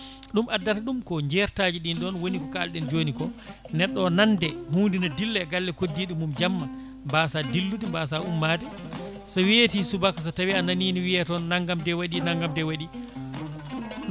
ɗum addata ɗum ko jertaji ɗin ɗon woni ko kalɗen joni ko neɗɗo o nande hunde ne dilla e galle koddiɗo mum jamma mbasa dillude mbasa ummade so weeti subaka so tawi a nani ne wiiye toon naggam de waɗi naggam de waɗi